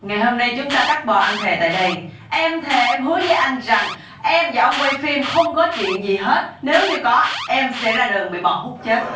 ngày hôm nay chúng ta cắt bỏ ăn thề tại đây em thề em hứa với anh rằng em và ông quay phim không có chuyện gì hết nếu như có em sẽ ra đường bị bò húc chết